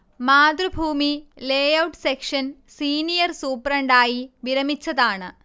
Mathrubhumi layout section senior സൂപ്രണ്ടായി വിരമിച്ചതാണ്